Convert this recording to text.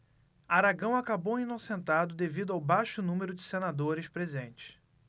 aragão acabou inocentado devido ao baixo número de senadores presentes